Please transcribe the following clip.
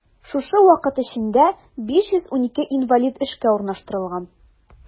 Шушы вакыт эчендә 512 инвалид эшкә урнаштырылган.